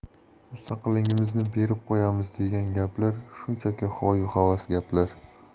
mustaqilligimizni berib qo'yamiz degan gaplar shunchaki hoyu havas gaplar